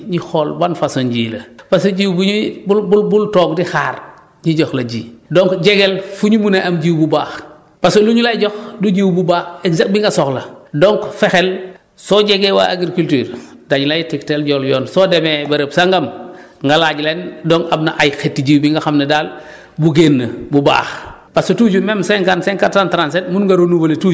au moins pour donc pour suñu waree ji ñu xool ban façon ji la parce que jiw bu ñuy bul bul bul toog di xaar ñu jox la ji donc jegeel fu ñu mun a am jiw bu baax parce que lu ñu lay jox du jiw bu baax exacte bi nga soxla donc fexeel soo jegee waa agriculture dañu lay tegtal yoon soo demee bërëb sangam nga laaj leen ndeem am na ay xeetu jiw bi nga xam ne daal bu génn bu baax